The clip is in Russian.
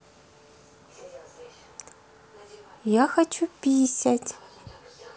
я хочу писять